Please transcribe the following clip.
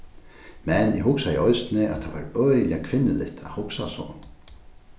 men eg hugsaði eisini at tað var øgiliga kvinnuligt at hugsa so